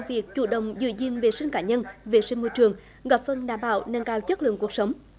việc chủ động giữ gìn vệ sinh cá nhân vệ sinh môi trường góp phần đảm bảo nâng cao chất lượng cuộc sống